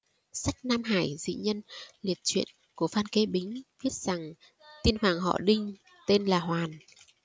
sách nam hải dị nhân liệt truyện của phan kế bính viết rằng tiên hoàng họ đinh tên là hoàn